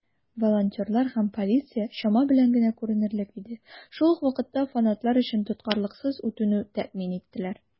Волонтерлар һәм полиция чама белән генә күренерлек иде, шул ук вакытта фанатлар өчен тоткарлыксыз үтүне тәэмин иттеләр.